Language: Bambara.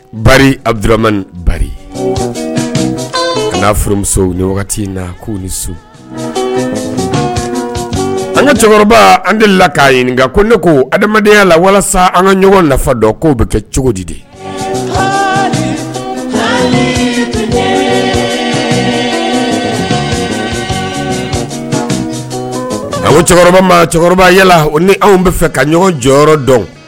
Ba adurmani ni ba ka'a furumuso ni wagati na ko ni su an ka cɛkɔrɔba an deli la k'a ɲininka ko ne ko adamadenya la walasa an ka ɲɔgɔn nafa dɔ k koo bɛ kɛ cogo di di nka o cɛkɔrɔba ma cɛkɔrɔba yalala ni anw bɛ fɛ ka ɲɔgɔn jɔyɔrɔ dɔn